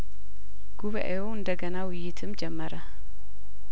ጉባኤው እንደገና ውይይትም ጀመረ